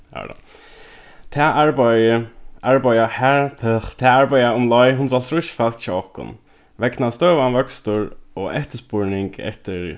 har var tað tað arbeiðið arbeiða tað arbeiða umleið hundrað og hálvtrýss fólk hjá okkum vegna støðugan vøkstur og eftirspurning eftir